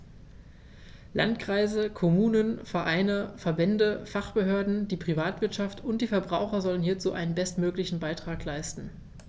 Landkreise, Kommunen, Vereine, Verbände, Fachbehörden, die Privatwirtschaft und die Verbraucher sollen hierzu ihren bestmöglichen Beitrag leisten.